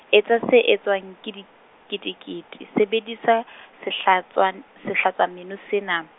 etsa se etswang ke diketekete, sebedisa sehlatswa, sehlatswameno sena.